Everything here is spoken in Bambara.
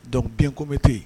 Dɔnkuc denko bɛ tɛ yen